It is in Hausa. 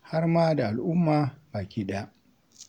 har ma da al'umma bakiɗaya.